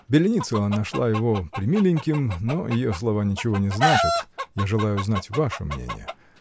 Беленицына нашла его премиленьким, но ее слова ничего не значат, -- я желаю знать ваше мнение.